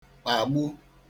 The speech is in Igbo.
kpagbu